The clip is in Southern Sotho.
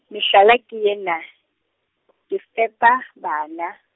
mehlala ke ena , ke fepa, bana.